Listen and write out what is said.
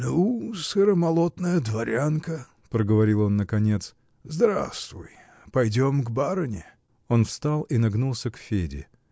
-- Ну, сыромолотная дворянка, -- проговорил он наконец, -- здравствуй пойдем к барыне. Он встал и нагнулся к Феде